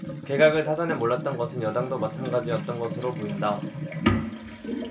개각을 사전에 몰랐던 것은 여당도 마찬가지 였던 것으로 보인다